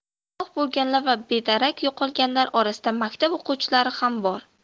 halok bo'lganlar va bedarak yo'qolganlar orasida maktab o'quvchilari ham bor